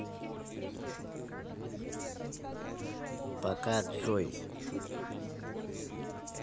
пока джой